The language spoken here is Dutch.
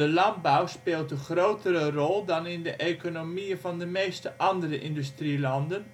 landbouw speelt een grotere rol dan in de economieën van de meeste andere industrielanden